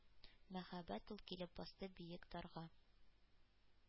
Мәһабәт ул килеп басты биек «дар»га.